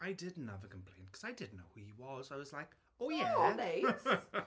I didn't have a complaint, 'cause I didn't know who he was, I was like "O ie"... "O neis."